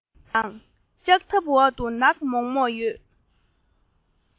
གསལ ཡང ལྕགས ཐབ འོག ཏུ ནག མོག མོག ཡིན